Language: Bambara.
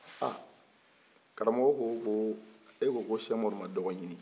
aa karamɔgɔ ko ko e ko sɛk umaru ma dɔgɔ ɲini